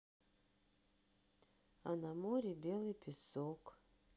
а на море белый песок